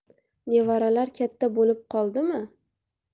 nevaralar katta bo'lib qoldimi